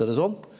er det sånn?